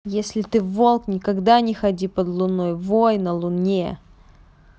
если ты волк никогда не ходи под луной вой на луне